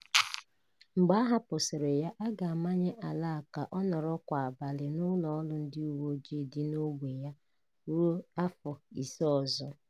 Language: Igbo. Mgbe a hapụsịrị ya, a ga-amanye Alaa ka ọ nọrọ kwa abalị n'ụlọ ọrụ ndị uwe ojii dị n'ogbe ya ruo afọ ise ọzọ.